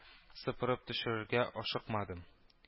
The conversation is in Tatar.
Сыпырып төшерергә ашыкмадым